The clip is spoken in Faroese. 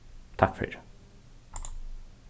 takk fyri